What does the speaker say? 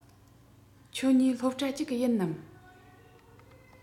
ཁྱེད གཉིས སློབ གྲྭ གཅིག གི ཡིན ནམ